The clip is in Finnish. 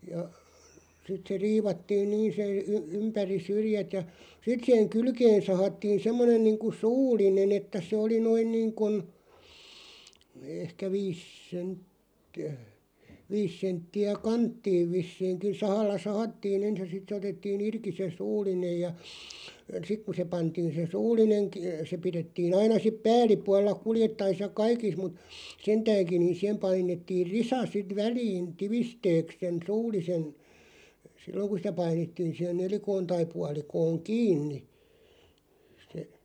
ja sitten se riivattiin niin se - ympäri syrjät ja sitten siihen kylkeen sahattiin semmoinen niin kuin suullinen että se oli noin niin kuin ehkä viisi senttiä viisi senttiä kanttiin vissiinkin sahalla sahattiin ensin ja sitten se otettiin irti se suullinen ja sitten kun se pantiin se suullinen - se pidettiin aina sitten päällipuolella kuljettaessa ja kaikissa mutta sentäänkin niin siihen painettiin risa sitten väliin tiivisteeksi sen suullisen silloin kun sitä painettiin siihen nelikkoon tai puolikkoon kiinni se